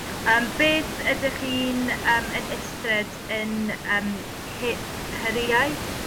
Yym beth ydych chi'n yym yn ysted yn yym hi- hyriaeth